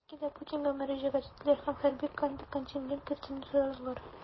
Донецкида Путинга мөрәҗәгать иттеләр һәм хәрби контингент кертүне сорадылар.